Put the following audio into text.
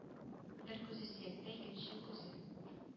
Бер күзе сөяктә икенче күзе